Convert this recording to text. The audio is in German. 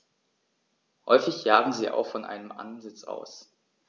Häufig jagen sie auch von einem Ansitz aus.